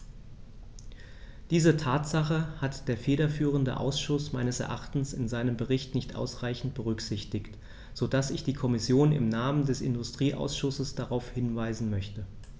Diese Tatsache hat der federführende Ausschuss meines Erachtens in seinem Bericht nicht ausreichend berücksichtigt, so dass ich die Kommission im Namen des Industrieausschusses darauf hinweisen möchte.